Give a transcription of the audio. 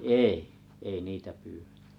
ei ei niitä pyydetä